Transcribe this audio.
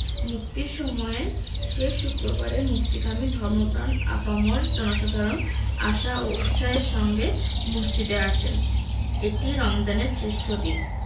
মুক্তির সময়ে শেষ শুক্রবারে মুক্তিকামী ধর্মপ্রাণ আপামর জনসাধারণ আশা ও উৎসাহের সঙ্গে মসজিদে আসেন এটি রমজানের শ্রেষ্ঠ দিন